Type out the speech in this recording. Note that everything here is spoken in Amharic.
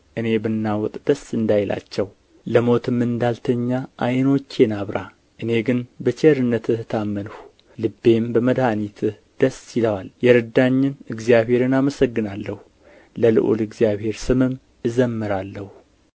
እኔ ብናወጥ ደስ እንዳይላቸው ለሞትም እንዳልተኛ ዓይኖቼን አብራ እኔ ግን በቸርነትህ ታመንሁ ልቤም በመድኃኒትህ ደስ ይለዋል የረዳኝን እግዚአብሔርን አመሰግናለሁ ለልዑል እግዚአብሔር ስምም እዘምራለሁ